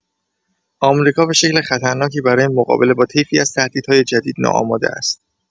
آمریکا به شکل خطرناکی برای مقابله با طیفی از تهدیدهای جدید ناآماده است.